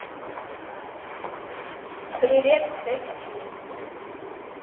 привет секси